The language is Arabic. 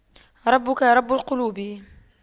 ربك رب قلوب